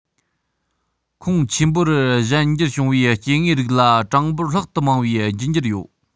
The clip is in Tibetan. ཁོངས ཆེན པོ རུ གཞན འགྱུར བྱུང བའི སྐྱེ དངོས རིགས ལ གྲངས འབོར ལྷག ཏུ མང བའི རྒྱུད འགྱུར ཡོད